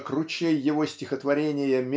как ручей его стихотворения